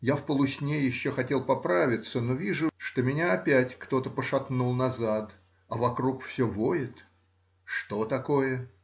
Я в полусне еще хотел поправиться, но вижу, что меня опять кто-то пошатнул назад а вокруг все воет. Что такое?